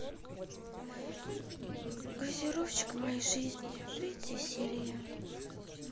газировщик моей жизни третья серия